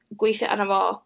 Gweithio arno fo.